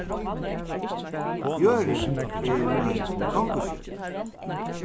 jørðin er ein gongustjørna